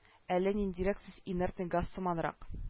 Әллә ниндирәк сез инертный газ сыманрак